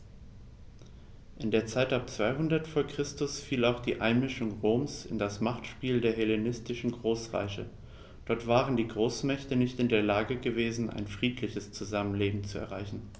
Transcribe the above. In die Zeit ab 200 v. Chr. fiel auch die Einmischung Roms in das Machtspiel der hellenistischen Großreiche: Dort waren die Großmächte nicht in der Lage gewesen, ein friedliches Zusammenleben zu erreichen.